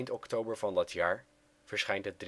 oktober van dat jaar verschijnt het